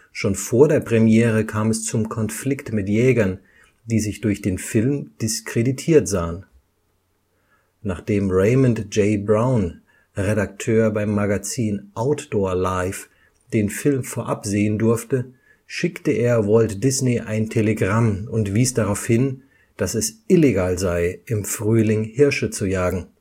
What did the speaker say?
Schon vor der Premiere kam es zum Konflikt mit Jägern, die sich durch den Film diskreditiert sahen. Nachdem Raymond J. Brown, Redakteur beim Magazin „ Outdoor Life “den Film vorab sehen durfte, schickte er Walt Disney ein Telegramm und wies darauf hin, dass es illegal sei, im Frühling Hirsche zu jagen